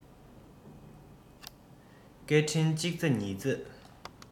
སྐད འཕྲིན གཅིག རྩེ གཉིས རྩེ